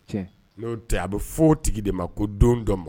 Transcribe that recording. Cɛ, n'o tɛ a bɛ f'o tigi de ma ko don dɔ